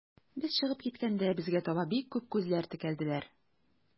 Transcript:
Без чыгып киткәндә, безгә таба бик күп күзләр текәлделәр.